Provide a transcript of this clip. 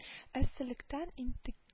—эсселектән интек